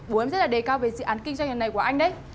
bố em rất là đề cao về dự án kinh doanh lần này của anh đấy